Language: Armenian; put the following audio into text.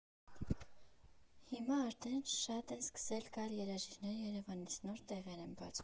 Հիմա արդեն շատ են սկսել գալ երաժիշտներ Երևանից, նոր տեղեր են բացվում…